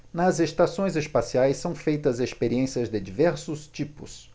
nas estações espaciais são feitas experiências de diversos tipos